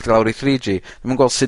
...lawr i three gee. Dwi'm yn gwled sud...